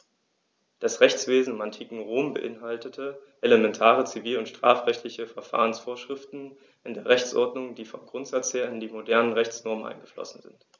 Das Rechtswesen im antiken Rom beinhaltete elementare zivil- und strafrechtliche Verfahrensvorschriften in der Rechtsordnung, die vom Grundsatz her in die modernen Rechtsnormen eingeflossen sind.